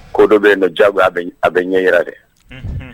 Ko dɔ bɛ n nɔ jago a a bɛ ɲɛy dɛ